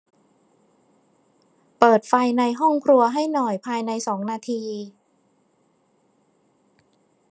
เปิดไฟในห้องครัวให้หน่อยภายในสองนาที